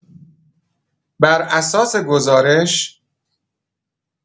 بر اساس گزارش